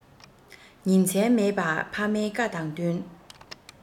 ཉིན མཚན མེད པ ཕ མའི བཀའ དང བསྟུན